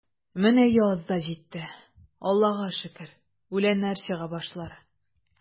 Менә яз да житте, Аллага шөкер, үләннәр чыга башлар.